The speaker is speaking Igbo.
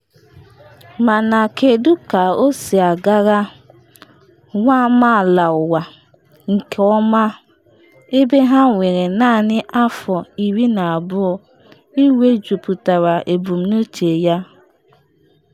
Mana, kedu ka o si agara Global Citizen nke ọma ebe ha nwere naanị afọ 12 imejuputa ebumnuche ya?